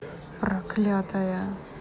проклятая